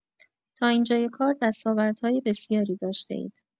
تا اینجای کار دستاوردهای بسیاری داشته‌اید.